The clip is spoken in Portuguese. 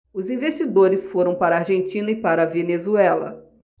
os investidores foram para a argentina e para a venezuela